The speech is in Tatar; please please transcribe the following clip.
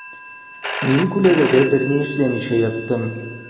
Мин күләгәдә берни эшләмичә яттым.